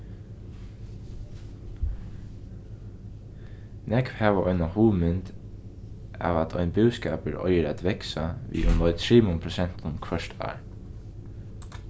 nógv hava eina hugmynd av at ein búskapur eigur at vaksa við umleið trimum prosentum hvørt ár